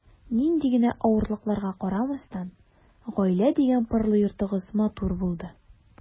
Нинди генә авырлыкларга карамастан, “гаилә” дигән парлы йортыгыз матур булды.